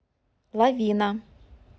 лавина